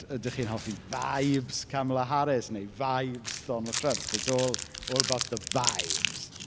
Ydych chi'n hoffi vibes Kamala Harris neu vibes Donald Trump? It's all all about the vibes.